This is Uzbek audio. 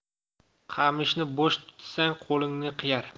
qamishni bo'sh tutsang qo'lingni qiyar